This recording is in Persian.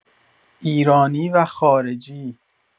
ایرانی و خارجی